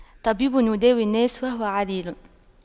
طبيب يداوي الناس وهو عليل